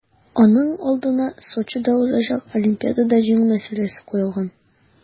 Аның алдына Сочида узачак Олимпиадада җиңү мәсьәләсе куелган.